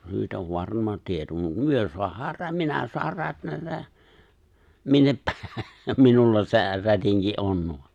se nyt on varma tieto mutta me saadaan minä saan rätnätä minne - minulla se rätinki on